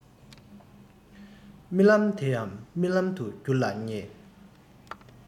རྨི ལམ དེ ཡང རྨི ལམ དུ འགྱུར ལ ཉེ